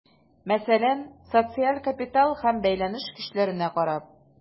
Мәсәлән, социаль капитал һәм бәйләнеш көчләренә карап.